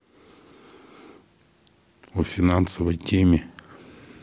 о финансовой теме